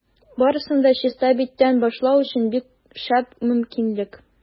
Барысын да чиста биттән башлау өчен бик шәп мөмкинлек.